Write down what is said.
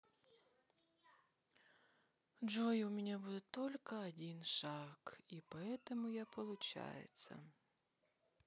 джой у меня будут только один шаг и поэтому я получается